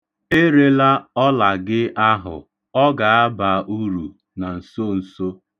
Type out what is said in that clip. Achọrọ m ka nwata a baa uru.